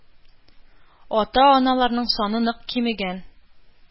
Ата-аналарның саны нык кимегән: